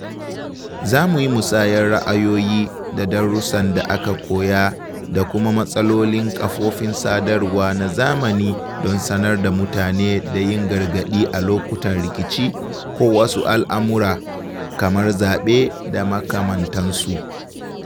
Za mu yi musayar ra'ayoyi da darussan da aka koya da kuma matsalolin kafofin sadarwa na zamani don sanar da mutane da yin gargaɗi a lokutan rikici ko wasu al'amura (kamar zaɓe da makamantansu).